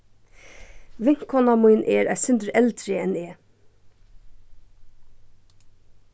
vinkona mín er eitt sindur eldri enn eg